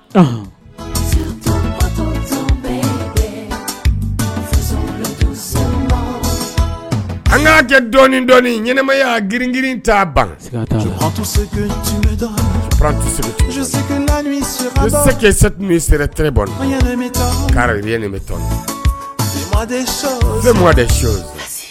An'a dɔma y'a grinirin'